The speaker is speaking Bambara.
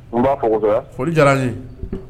N b'a fo kosɛbɛ, foli diyara n ye